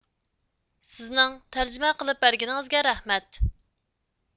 سىزنىڭ تەرجىمە قىلىپ بەرگىنىڭىزگە رەھمەت